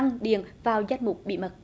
điện vào danh mục bí mật